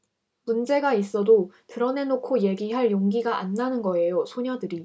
문제가 있어도 드러내놓고 얘기할 용기가 안 나는 거예요 소녀들이